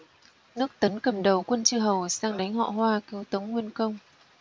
nước tấn cầm đầu quân chư hầu sang đánh họ hoa cứu tống nguyên công